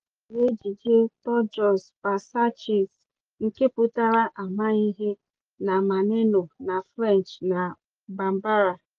Anyị malitere ejije Toujours Pas Sages (nke pụtara amaghị ihe) na Maneno, na French na Bambara.